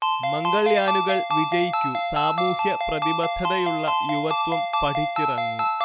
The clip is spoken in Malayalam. മംഗൾയാനുകൾ വിജയിക്കൂ, സാമൂഹ്യ പ്രതിബദ്ധത ഉള്ള യുവത്വം പഠിച്ചിറങ്ങൂ